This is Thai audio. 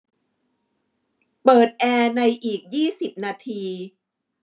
เปิดแอร์ในอีกยี่สิบนาที